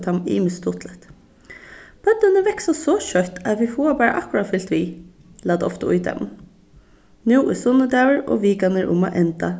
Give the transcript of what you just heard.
teimum ymiskt stuttligt børnini vaksa so skjótt at vit fáa bara akkurát fylgt við læt ofta í teimum nú er sunnudagur og vikan er um at enda